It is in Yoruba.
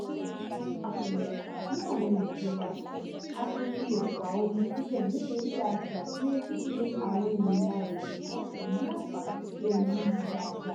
Fún àpẹẹrẹ, ní àwọn ibùdó wa kan, àti fi òòfà omi sí bẹ̀ nítorí pé a ṣe àkíyèsí pé àwọn ènìyàn agbègbè náà kò ní àǹfààní sí omi mímu daada.